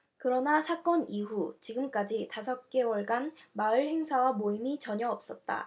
그러나 사건 이후 지금까지 다섯 개월여간 마을 행사와 모임이 전혀 없었다